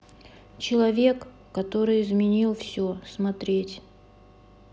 человек который изменил все смотреть